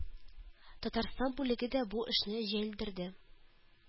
Татарстан бүлеге дә бу эшне җәелдерде